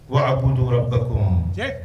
Wara ko cɛkɔrɔba ba ko cɛ